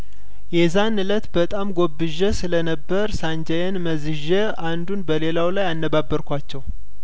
የዛን እለት በጣም ጐብዤ ስለነበር ሳንጃዬን መዝዤ አንዱን በሌለው ላይ አነባ በር ኳቸው